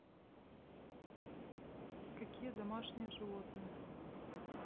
какие домашние животные